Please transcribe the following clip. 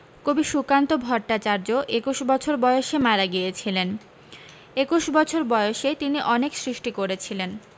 কবি সুকান্ত ভট্টাচার্য একুশ বছর বয়েসে মারা গিয়েছিলেন একুশ বছর বয়েসে তিনি অনেক সৃষ্টি করেছিলেন